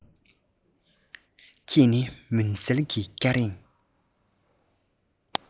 ཁྱེད ནི མུན སེལ གྱི སྐྱ རེངས